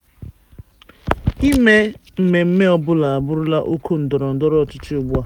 Ime mmemme ọbụla abụrụla okwu ndọrọndọrọ ọchịchị ugbua.